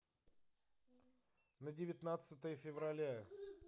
на девятнадцатое февраля